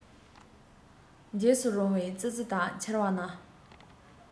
འཇིགས སུ རུང བའི ཙི ཙི དག འཆར བ ན